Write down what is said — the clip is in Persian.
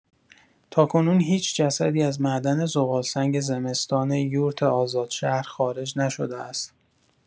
تاکنون هیچ جسدی از معدن زغال‌سنگ زمستان یورت آزادشهر خارج نشده است.